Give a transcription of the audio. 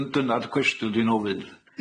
Dyn- dyna'r cwestiwn dwi'n ofyn.